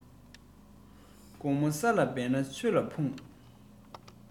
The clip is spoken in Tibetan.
དགོངས མོ ས ལ བབས ལ ཆོས ལ འབུངས